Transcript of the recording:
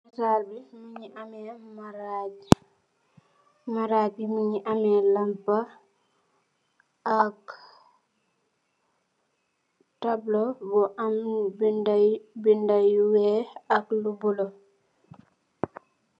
Saal bi, mu ngi amee maraaj, maraaj bi mu ngi amee lampa, ak tabla bu am binda yu weex ak lu bulo.